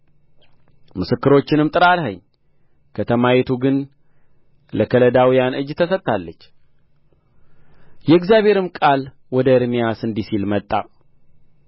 ምስክሮችንም ጥራ አልኸኝ ከተማይቱ ግን ለከለዳውያን እጅ ተሰጥታለች የእግዚአብሔርም ቃል ወደ ኤርምያስ እንዲህ ሲል መጣ